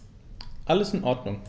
Alles in Ordnung.